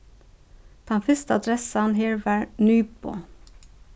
tann fyrsta adressan her var nybo